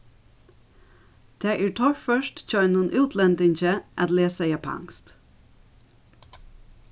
tað er torført hjá einum útlendingi at lesa japanskt